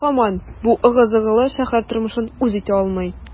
Ә ул һаман бу ыгы-зыгылы шәһәр тормышын үз итә алмый.